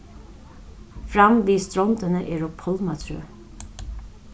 fram við strondini eru pálmatrø